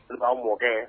Sisan mɔkɛ